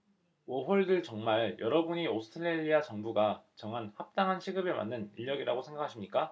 워홀들 정말 여러분이 오스트레일리아 정부가 정한 합당한 시급에 맞는 인력이라고 생각하십니까